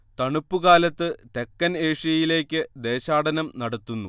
തണുപ്പുകാലത്ത് തെക്കൻ ഏഷ്യയിലേക്ക് ദേശാടനം നടത്തുന്നു